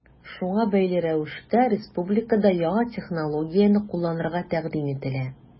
Шуңа бәйле рәвештә республикада яңа технологияне кулланырга тәкъдим ителә.